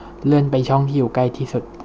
เลื่อนไปที่ช่องที่อยู่ใกล้ที่สุด